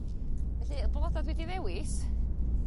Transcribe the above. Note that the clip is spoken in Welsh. Felly y bloda dwi 'di ddewis